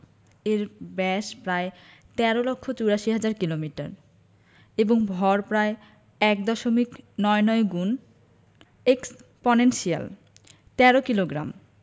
এর ব্যাস প্রায় ১৩ লক্ষ ৮৪ হাজার কিলোমিটার এবং ভর প্রায় এক দশমিক নয় নয় গুণ এক্সপনেনশিয়াল ১৩ কিলোগ্রাম